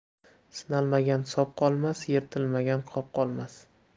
sinalmagan sop qolmas yirtilmagan qop qolmas